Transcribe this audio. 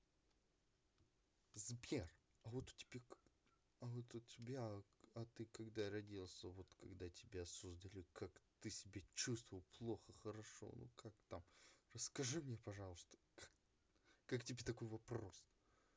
сбер а вот у тебя а ты когда родился вот когда тебя создали ты ты как себя чувствовал плохо хорошо ну там как то расскажи мне пожалуйста как тебе такой вопрос